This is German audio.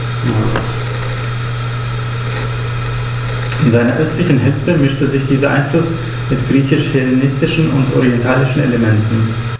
In seiner östlichen Hälfte mischte sich dieser Einfluss mit griechisch-hellenistischen und orientalischen Elementen.